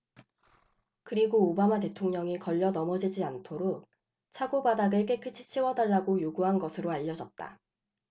그리고 오바마 대통령이 걸려 넘어지지 않도록 차고 바닥을 깨끗이 치워달라고 요구한 것으로 알려졌다